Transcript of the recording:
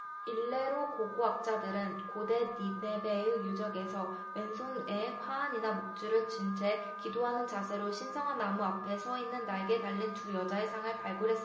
일례로 고고학자들은 고대 니네베의 유적에서 왼 손 에 화환이나 묵주를 쥔 채 기도하는 자세로 신성한 나무 앞에 서 있는 날개 달린 두 여자의 상을 발굴했습니다